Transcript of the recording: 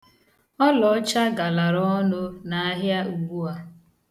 Ọlọọcha galara ọnụ n'ahịa ụgbua.